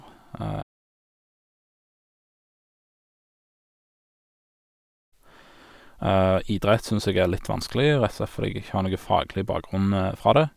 Idrett syns jeg er litt vanskelig, rett og slett fordi jeg ikke har noe faglig bakgrunn fra det.